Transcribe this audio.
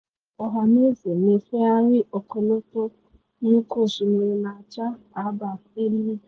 Ụlọ ọhaneze na efegharị ọkọlọtọ nnukwu osimiri na acha agba eluigwe.